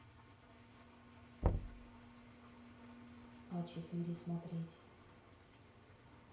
а четыре смотреть